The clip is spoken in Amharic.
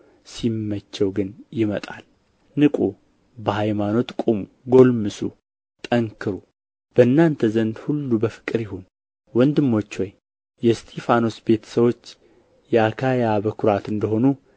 ሲመቸው ግን ይመጣል ንቁ በሃይማኖት ቁሙ ጎልምሱ ጠንክሩ በእናንተ ዘንድ ሁሉ በፍቅር ይሁን ወንድሞች ሆይ የእስጢፋኖስ ቤተ ሰዎች የአካይያ በኩራት እንደ ሆኑ